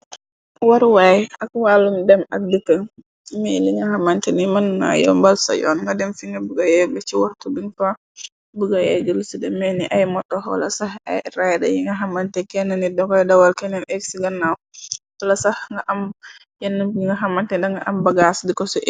waruwaay ak wàllu dem ak dëkka mey li nga xamante ni mën na yombal sayoon nga dem fina bugayegg ci wartu bin pa buga yeggl si dameni ay motoxla sax ay rayda yi nga xamante kenn nit dokoy dawal keneen ci gannaw ola sax nga am yenn bi nga xamante danga am bagaas dikoso.